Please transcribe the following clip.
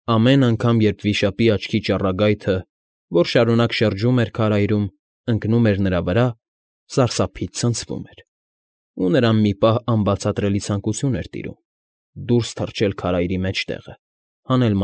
Ամեն անգամ, երբ վիշապի աչքի ճառագայթը, որ շարունակ շրջում էր քարայրում, ընկնում էր նրա վրա, սարսափից ցնցվում էր, ու նրան մի պահ անբացատրելի ցանկություն էր տիրում՝ դուրս թռչել քարայրի մեջտեղը, հանել։